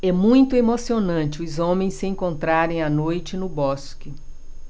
é muito emocionante os homens se encontrarem à noite no bosque